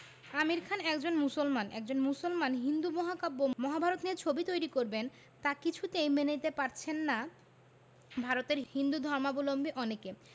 আমির খান একজন মুসলমান একজন মুসলমান হিন্দু মহাকাব্য মহাভারত নিয়ে ছবি তৈরি করবেন তা কিছুতেই মেনে নিতে পারছেন না ভারতের হিন্দুধর্মাবলম্বী অনেকে